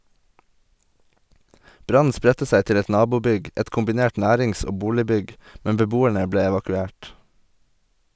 Brannen spredte seg til et nabobygg, et kombinert nærings- og boligbygg, men beboerne ble evakuert.